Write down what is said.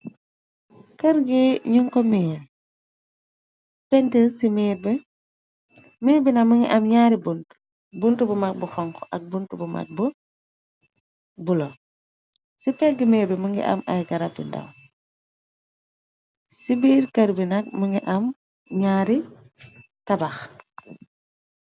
kërgi ñuñ ko mii, pent rmiir bi na, më nga am ñaari bunt, bunt bu mag bu xonk, ak bunt bu mag b bulo ,ci pegg miir bi më ngi am ay garab yu ndaw, ci biir kar bi nag më nga am ñaari tabax.